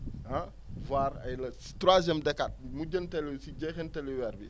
ah voie ay le troisième decate mujjantelu si jeexintalu weer bi